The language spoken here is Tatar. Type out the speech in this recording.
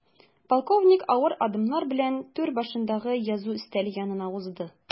Полковник авыр адымнар белән түр башындагы язу өстәле янына узды.